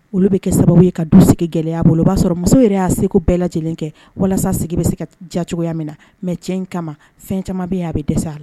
Olu bɛ kɛ sababu ye ka dɔ sigi gɛlɛya bolo o b'a sɔrɔ muso yɛrɛ y'a seko bɛɛ lajɛlen kɛ walasa sigi bɛ se ka diya cogoya min na mais cɛ in kama fɛn caman bɛ yen a bɛ dɛsɛ a la